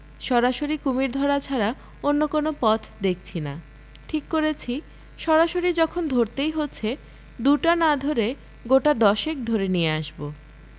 সরাসরি কুমীর ধরা ছাড়া অন্য পথ দেখছি না ঠিক করেছি সরাসরি যখন ধরতেই হচ্ছে দুটা না ধরে গোটা দশেক ধরে নিয়ে আসব